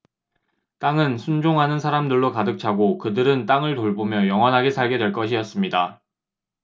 땅은 순종하는 사람들로 가득 차고 그들은 땅을 돌보며 영원히 살게 될 것이었습니다